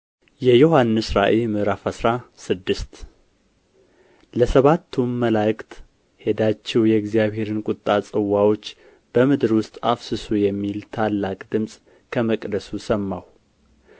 የዮሐንስ ራእይ ምዕራፍ አስራ ስድስት ለሰባቱም መላእክት ሄዳችሁ የእግዚአብሔርን ቁጣ ጽዋዎች በምድር ውስጥ አፍስሱ የሚል ታላቅ ድምፅ ከመቅደሱ ሰማሁ